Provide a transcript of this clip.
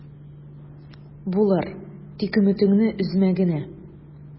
Булыр, тик өметеңне өзмә генә...